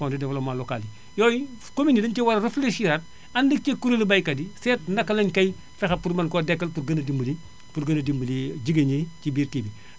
fond de développement local yi yooyu communes yi dañu ci war a réfléchir ànd ceeg kuréelu baykat yi seet naka lañu koy fexe pour mën a mën koo dekkal pour gën a dimbali pour gën a dimbali jigéen ñi ci biir kii bi